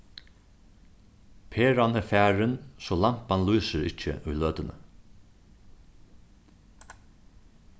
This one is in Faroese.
peran er farin so lampan lýsir ikki í løtuni